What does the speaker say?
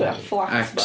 Ie fflat bach.